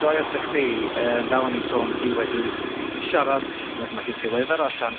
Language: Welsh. droi atat chdi yym fel o'n i'n sôn ti wedi siarad, ma' ma' gen ti lyfyr allan